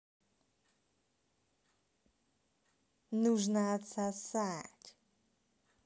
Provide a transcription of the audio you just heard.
нужно отсосать